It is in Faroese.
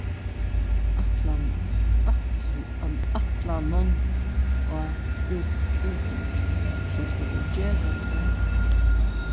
ætlanum á út útoyggj sum skulu gera tað